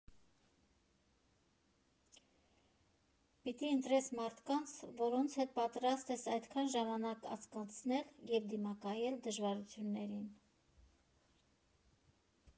Պիտի ընտրես մարդկանց, որոնց հետ պատրաստ ես այդքան ժամանակ անցկացնել և դիմակայել դժվարություններին։